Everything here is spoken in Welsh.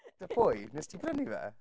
'Da pwy? wnes 'di brynnu fe?